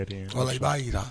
Voila i b'a jira